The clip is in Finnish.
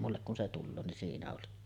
minulle kun se tulee niin siinä oli